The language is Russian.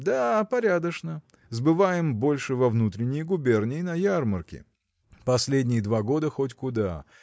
– Да, порядочно; сбываем больше во внутренние губернии на ярмарки. Последние два года – хоть куда!